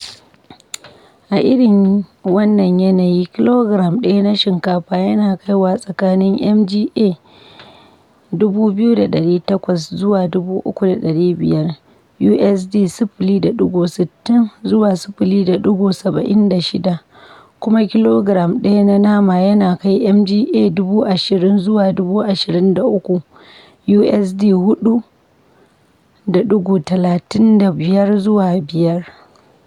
A irin wannan yanayi, kilogiram 1 na shinkafa yana kaiwa tsakanin MGA 2,800 zuwa 3,500 (USD 0.60 zuwa 0.76), kuma kilogiram 1 na nama ya kai MGA 20,000 zuwa 23,000 (USD 4.35 zuwa 5).